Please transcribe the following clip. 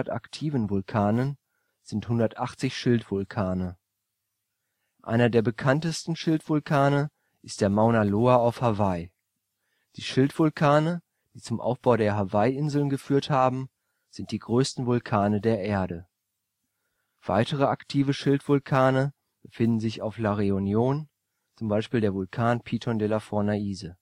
aktiven Vulkanen sind 180 Schildvulkane. Einer der bekanntesten Schildvulkane ist der Mauna Loa auf Hawaii. Die Schildvulkane, die zum Aufbau der Hawaiʻi-Inseln geführt haben, sind die größten Vulkane der Erde. Weitere aktive Schildvulkane befinden sich auf La Réunion, z.B. der Vulkan Piton de la Fournaise